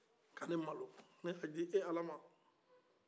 ka ne malo ne ye a di e ala ma